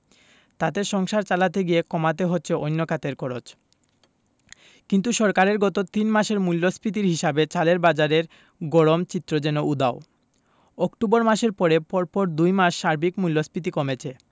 তাতে সংসার চালাতে গিয়ে কমাতে হচ্ছে অন্য খাতের খরচ কিন্তু সরকারের গত তিন মাসের মূল্যস্ফীতির হিসাবে চালের বাজারের গরম চিত্র যেন উধাও অক্টোবর মাসের পরে পরপর দুই মাস সার্বিক মূল্যস্ফীতি কমেছে